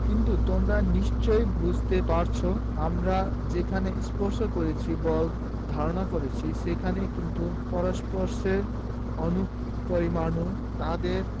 কিন্তু তোমরা নিশ্চয়ই বুঝতে পারছ আমরা যেখানে স্পর্শ করছি বলে ধারণা করছি সেখানে কিন্তু পরস্পরের অণু পরমাণু তাদের